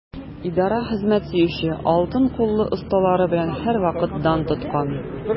Идарә хезмәт сөюче, алтын куллы осталары белән һәрвакыт дан тоткан.